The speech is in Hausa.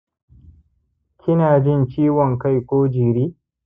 kinajin ciwon kai ko jiri